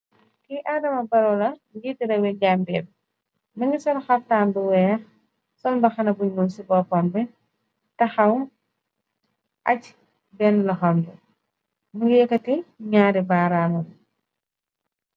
Ki Adama barrow la njiiti rawe Gambia. Mëngi sol haftan bu weex, sol mbahana bu ñuul ci boppam bi, tahaw ach benn loham bi, Mu ngi yekkati ñaari baaraam bi.